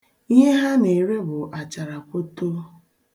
Ihe ha na-ere bụ acharakwoto.